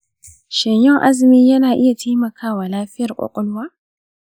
shin yin azumi yana iya taimakawa lafiyar kwakwalwa?